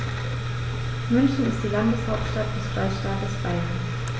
München ist die Landeshauptstadt des Freistaates Bayern.